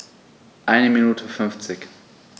Eine Minute 50